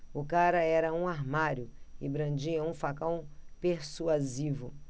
o cara era um armário e brandia um facão persuasivo